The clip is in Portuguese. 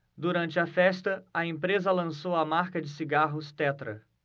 durante a festa a empresa lançou a marca de cigarros tetra